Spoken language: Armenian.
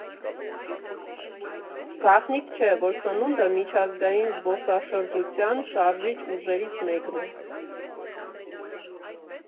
Գաղտնիք չէ, որ սնունդը միջազգային զբոսաշրջության շարժիչ ուժերից մեկն է։